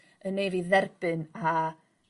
yn neu' fi dderbyn a